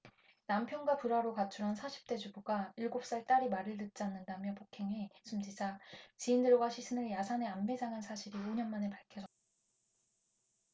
남편과 불화로 가출한 사십 대 주부가 일곱 살 딸이 말을 듣지 않는다며 폭행해 숨지자 지인들과 시신을 야산에 암매장한 사실이 오 년만에 밝혀졌다